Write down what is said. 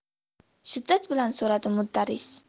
shiddat bilan so'radi mudarris